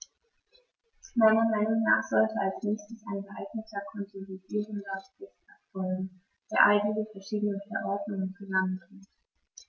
Meiner Meinung nach sollte als nächstes ein geeigneter konsolidierender Rechtsakt folgen, der all diese verschiedenen Verordnungen zusammenführt.